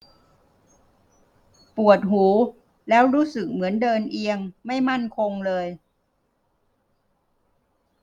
ปวดหูแล้วรู้สึกเหมือนเดินเอียงไม่มั่นคงเลย